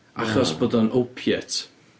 Achos bod o'n opiate.